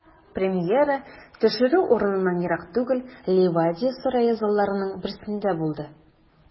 Премьера төшерү урыныннан ерак түгел, Ливадия сарае залларының берсендә булды.